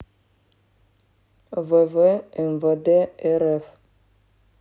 вв мвд рф